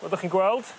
fel 'dach chi'n gweld